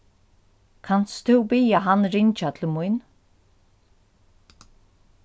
kanst tú biðja hann ringja til mín